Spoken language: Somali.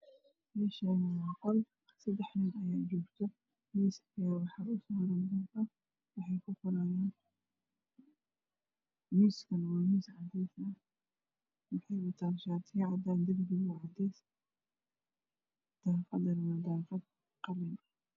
Meeshani waa qol ay fadhiyaan niman kuraasta taala midabkeedu yahay madaw qalin iyo shaati cadaan ah ayay wataan